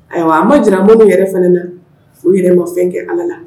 Ayiwa an ma j an bɛ ne yɛrɛ fana na fo yɛrɛmafɛn kɛ ala la